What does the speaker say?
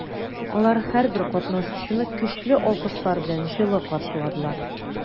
Алар һәрбер катнашучыны көчле алкышлар белән җылы каршыладылар.